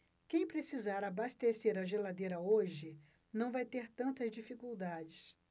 quem precisar abastecer a geladeira hoje não vai ter tantas dificuldades